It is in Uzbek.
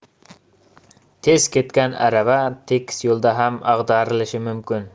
tez ketgan arava tekis yo'lda ham ag'darilishi mumkin